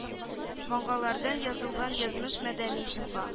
Маңгайларга язылган язмыш мәдәни җомга